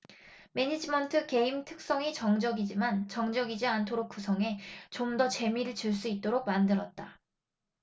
매니지먼트 게임 특성이 정적이지만 정적이지 않도록 구성해 좀 더 재미를 줄 수 있도록 만들었다